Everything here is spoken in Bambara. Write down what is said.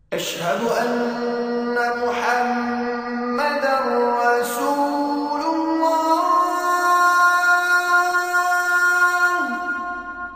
achahadu anna Muhamadu rasulu laah